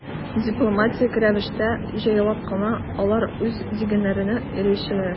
Дипломатик рәвештә, җайлап кына алар үз дигәннәренә ирешәләр.